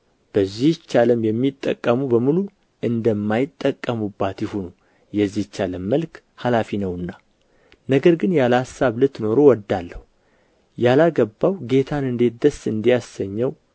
በዚችም ዓለም የሚጠቀሙ በሙሉ እንደማይጠቀሙባት ይሁኑ የዚች ዓለም መልክ አላፊ ነውና ነገር ግን ያለ አሳብ ልትኖሩ እወዳለሁ ያላገባው ጌታን እንዴት ደስ እንዲያሰኘው